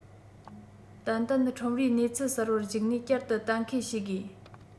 ཏན ཏན ཁྲོམ རའི གནས ཚུལ གསར པར གཞིགས ནས བསྐྱར དུ གཏན འཁེལ བྱེད དགོས